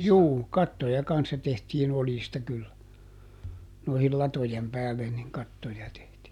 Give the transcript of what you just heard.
juu kattoja kanssa tehtiin oljista kyllä noihin latojen päälle niin kattoja tehtiin